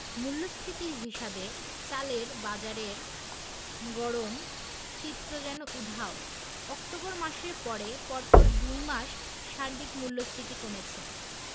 মূল্যস্ফীতির হিসাবে চালের বাজারের গরম চিত্র যেন উধাও অক্টোবর মাসের পরে পরপর দুই মাস সার্বিক মূল্যস্ফীতি কমেছে